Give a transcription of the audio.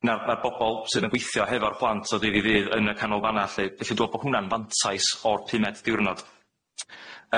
na, na'r bobol sydd yn gweithio hefo'r plant o dydd i ddydd yn y canolfanna lly, felly dwi me'wl bo' hwnna'n fantais o'r pumed diwrnod.